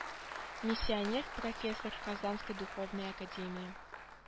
Миссионер профессор казанской духовной академии